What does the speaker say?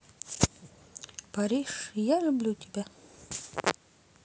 париж я люблю тебя